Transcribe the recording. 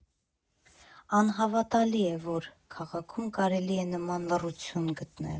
Անհավատալի է, որ քաղաքում կարելի է նման լռություն գտնել։